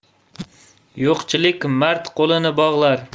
yo'qchilik mard qo'lini bog'lar